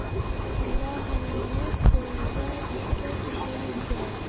Монда галимнәр турында искә төшерү кирәк.